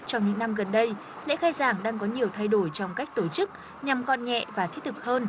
trong những năm gần đây lễ khai giảng đang có nhiều thay đổi trong cách tổ chức nhằm gọn nhẹ và thiết thực hơn